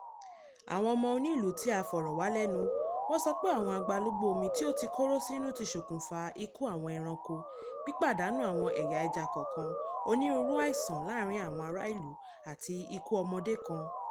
Àwọn ọmọ onílùú tí a fọ̀rọ̀ wá lẹ́nu wo sọ pé àwọn agbalúgbú omi tí ó ti kóró sínú ti ṣokùnfa ikú àwọn ẹranko, pípàdánù àwọn ẹ̀yà ẹja kọọ̀kan, onírúurú aìsàn láàárìn àwn arà ilú, àti ikú ọmọdé kan.